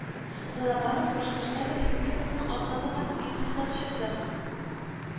Балабанов Башкортстан Республикасының атказанган икътисадчысы